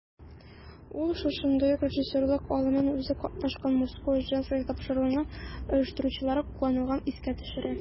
Ул шушындый ук режиссерлык алымын үзе катнашкан "Мужское/Женское" тапшыруының оештыручылары кулланганлыгын искә төшерә.